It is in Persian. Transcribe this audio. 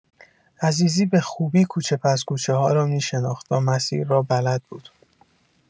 عزیزی به خوبی کوچه پس‌کوچه‌ها را می‌شناخت و مسیر را بلد بود.